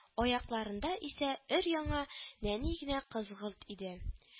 Аякларында исә өр-яңа нәни генә кызгылт иде